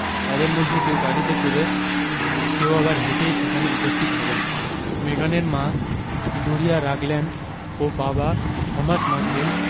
তাঁদের মধ্যে কেউ গাড়িতে চড়ে কেউ আবার হেঁটেই সেখানে উপস্থিত হবেন মেগানের মা ডোরিয়া রাগল্যান্ড ও বাবা থমাস মার্কেল